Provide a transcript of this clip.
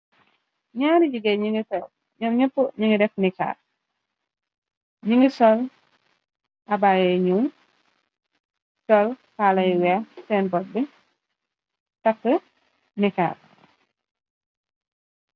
Ñaari jigéey ñnepp ñingi def nikaar ñingi sol abaye ñu tol paalay weex seen bog bi takk nikaar.